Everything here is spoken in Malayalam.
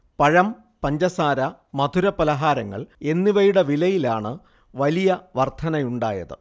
പഴം, പഞ്ചസാര, മധുര പലഹാരങ്ങൾ എന്നിവയുടെ വിലയിലാണ് വലിയ വർധനയുണ്ടായത്